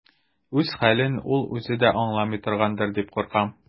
Үз хәлен ул үзе дә аңламый торгандыр дип куркам.